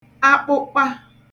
akpụkpa